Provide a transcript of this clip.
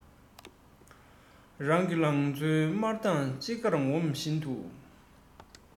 རང གི ལང ཚོའི དམར མདངས ཅི དགར ངོམ བཞིན དུ